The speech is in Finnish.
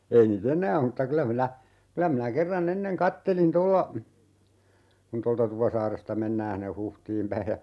ei niitä enää ole mutta kyllä minä kyllä minä kerran ennen katselin tuolla kun tuolta Tupasaaresta mennään sinne Huhtiin päin ja